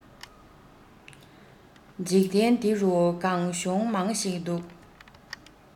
འཇིག རྟེན འདི རུ སྒང གཤོང མང ཞིག འདུག